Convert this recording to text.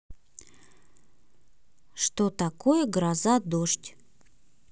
что такое гроза дождь